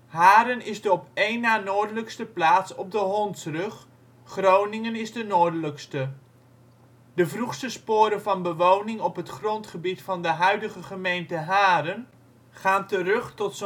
Haren is de op één na noordelijkste plaats op de Hondsrug - Groningen is de noordelijkste. De vroegste sporen van bewoning op het grondgebied van de huidige gemeente Haren gaan terug tot